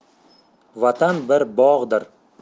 vatan bir bog'dir